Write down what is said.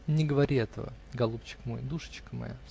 и не говори этого, голубчик мой, душечка моя!